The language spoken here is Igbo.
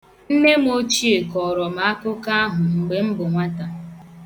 Nne m ochie kọrọ m akụkọ ahụ mgbe m bụ nwata.